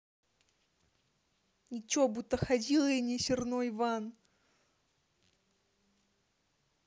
ниче будто ходила ене серной ван